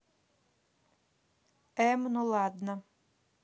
эм ну ладно